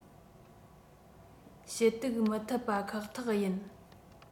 ཞུ གཏུག མི ཐུབ པ ཁག ཐེག ཡིན